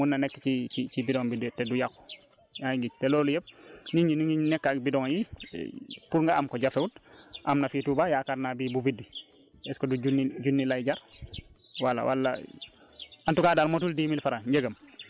donc foofu boo ko boo ko fermé hermétiquement fii ba lu ëpp at mun na nekk ci ci ci bidon bi te du yàqu yaa ngi gis te loolu yëpp nit ñi ñu ngi nekk ak bidons yi pour nga am ko jafewut am na fii Touba yaakaar naa bii bu vide est ce que du junni junni lay jar